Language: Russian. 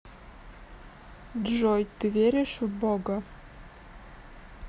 джой ты веришь в бога